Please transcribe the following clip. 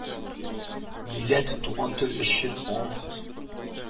Милләт, туган тел өчен ан